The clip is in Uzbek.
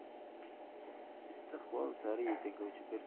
istiqbol sari yetaklovchi